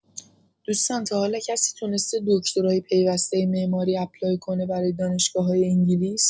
دوستان تاحالا کسی تونسته دکترای پیوسته معماری اپلای کنه برای دانشگاه‌‌های انگلیس؟